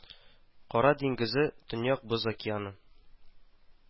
Кара диңгезе, Төньяк Боз океаны